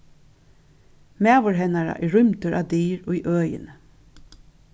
maður hennara er rýmdur á dyr í øðini